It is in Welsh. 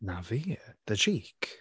Na fi. The cheek.